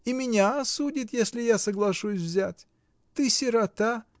И меня осудит, если я соглашусь взять: ты сирота.